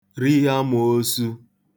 ri amōōsū